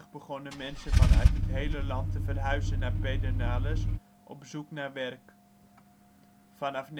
begonnen mensen vanuit het hele land te verhuizen naar Pedernales, op zoek naar werk. Vanaf